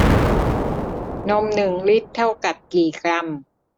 นมหนึ่งลิตรเท่ากับกี่กรัม